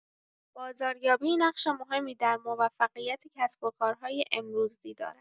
بازاریابی نقش مهمی در موفقیت کسب‌وکارهای امروزی دارد.